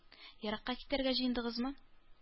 Еракка китәргә җыендыгызмы?